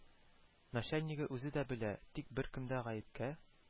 Начальнигы үзе дә белә, тик беркем дә гаепкә